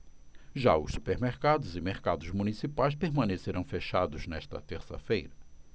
já os supermercados e mercados municipais permanecerão fechados nesta terça-feira